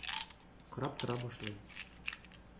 Карап тора башлый...